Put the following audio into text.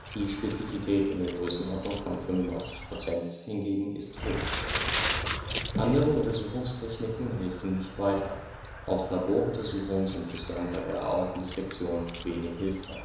Die Spezifität in der Größenordnung von 95 % hingegen ist hoch. Andere Untersuchungstechniken helfen nicht weiter, auch Laboruntersuchungen sind bislang bei der Aortendissektion wenig hilfreich